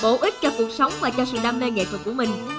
bổ ích cho cuộc sống và cho sự đam mê nghệ thuật của mình